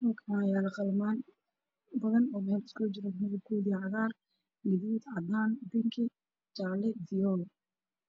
Halkaan waxa ku jiro qalimaan badan oo meel iskula jira oo ay ka mid yihiin cadaan